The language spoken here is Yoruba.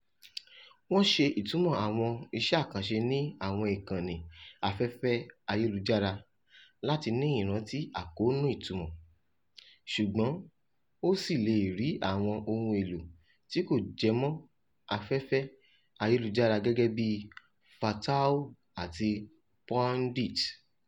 Wọ́n ṣe ìtumọ̀ àwọn iṣẹ́ àkànṣe ní àwọn ìkànnì afẹ́fẹ́ ayélujára láti ni ìrántí àkóónú ìtumọ̀, ṣùgbọ́n ó ṣì lè rí àwọn òhun èlò tí kò jẹmọ́ afẹ́fẹ́ ayélujára gẹ́gẹ́ bíi Virtaal àti Poedit.